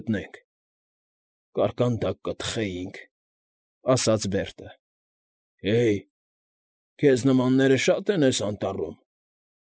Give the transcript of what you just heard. Գտնենք։ Կարկանդակ կթխեինք,֊ ասաց Բերտը։֊ Հե՜յ, քեզ նմանները շա՞տ են էս անտառում։